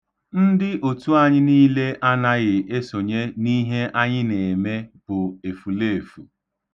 Ndị otu anyị niile anaghị esonye n'ihe anyị na-eme bụ efuleefu.